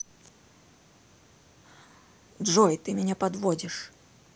джой ты меня подводишь